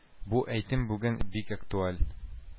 Бу әйтем бүген бик актуаль